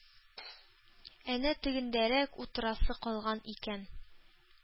Әнә тегендәрәк утырасы калган икән”,